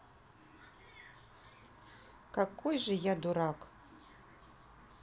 какой же я дурак